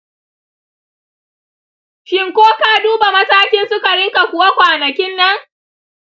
shin ko ka duba matakin sukarinka kuwa kwanakin nan?